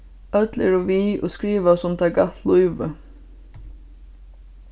øll eru við og skriva sum tað galt lívið